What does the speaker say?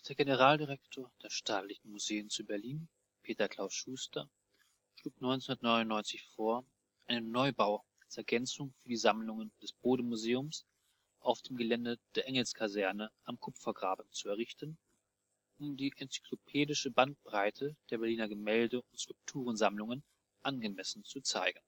Generaldirektor der Staatlichen Museen zu Berlin, Peter-Klaus Schuster, schlug 1999 vor, einen Neubau als Ergänzung für die Sammlungen des Bode-Museums auf dem Gelände der Engels-Kaserne am Kupfergraben zu errichten, um die enzyklopädische Bandbreite der Berliner Gemälde - und Skulpturensammlungen angemessen zu zeigen